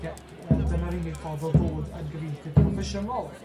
ge- cy- yy dyna'r unig ffordd o fod yn gyfieithydd proffesiynol.